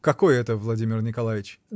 -- Какой это Владимир Николаич?